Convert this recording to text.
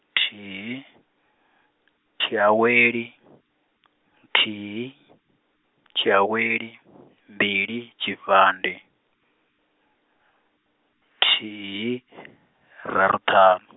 thihi , tshiaweli, thihi, tshiaweli , mbili, tshifhandi, thihi , raru ṱhanu.